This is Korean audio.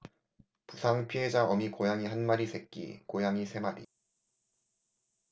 부상 피해자 어미 고양이 한 마리 새끼 고양이 세 마리